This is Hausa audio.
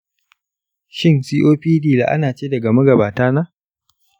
shin copd la'ana ce daga magabata na?